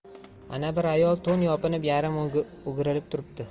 ana bir ayol to'n yopinib yarim o'girilib turibdi